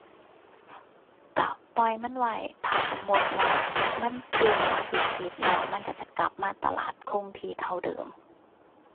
ก็ปล่อยมันไว้ ถ้าสมมุติว่ามันฟื้นจากวิกฤตแล้วมันก็จะกลับมาตลาดคงที่เท่าเดิม